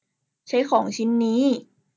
ใช้ของชิ้นนี้